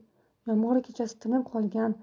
yomg'ir kechasi tinib qolgan